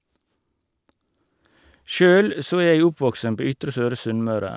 Sjøl så er jeg oppvokst på Ytre Søre Sunnmøre.